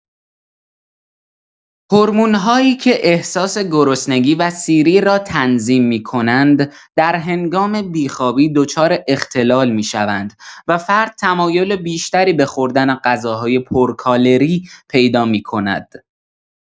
هورمون‌هایی که احساس گرسنگی و سیری را تنظیم می‌کنند، در هنگام بی‌خوابی دچار اختلال می‌شوند و فرد تمایل بیشتری به خوردن غذاهای پرکالری پیدا می‌کند.